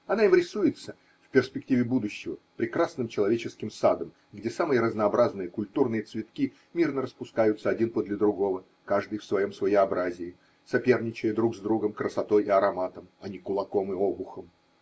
она им рисуется в перспективе будущего прекрасным человеческим садом, где самые разнообразные культурные цветки мирно распускаются один подле другого, каждый в своем своеобразии, соперничая друг с другом красотой и ароматом, а не кулаком и обухом.